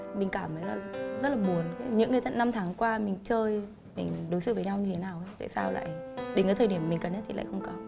mình cảm thấy là rất là buồn những cái năm tháng qua mình chơi mình đối xử với nhau như thế nào tại sao lại đến cái thời điểm mình cần nhất thì lại không có